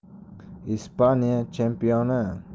ispaniya chempioni